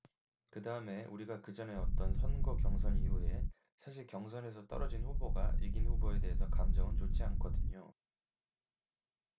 그다음에 우리가 그 전에 어떤 선거 경선 이후에 사실 경선에서 떨어진 후보가 이긴 후보에 대해서 감정은 좋지 않거든요